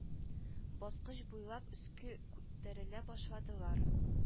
Баскыч буйлап өскә күтәрелә башладылар